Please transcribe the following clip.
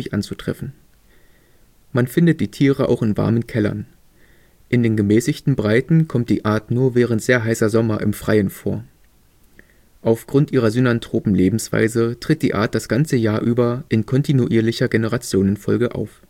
anzutreffen. Man findet die Tiere auch in warmen Kellern. In den gemäßigten Breiten kommt die Art nur während sehr heißer Sommer im Freien vor. Auf Grund ihrer synanthropen Lebensweise tritt die Art das ganze Jahr über in kontinuierlicher Generationenfolge auf